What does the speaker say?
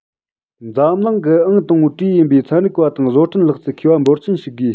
འཛམ གླིང གི ཨང དང པོའི གྲས ཡིན པའི ཚན རིག པ དང བཟོ སྐྲུན ལག རྩལ མཁས པ འབོར ཆེན ཞིག དགོས